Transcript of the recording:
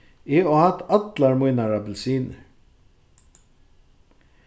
eg át allar mínar appilsinir